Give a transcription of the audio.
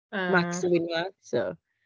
A ...Max yw un Math. So...